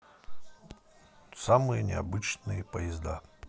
самые необычные поезда